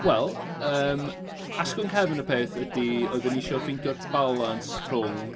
Wel yym asgwrn cefn y peth ydy, oeddwn i isio ffeindio'r balans rhwng...